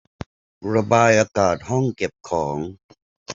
ระบายอากาศห้องเก็บของ